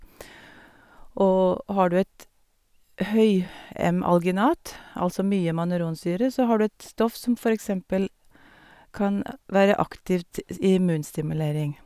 Og har du et høy-M-alginat, altså mye mannuronsyre, så har du et stoff som for eksempel kan være aktivt s i immunstimulering.